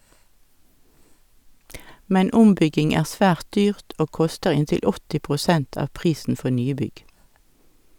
Men ombygging er svært dyrt, og koster inntil 80 prosent av prisen for nybygg.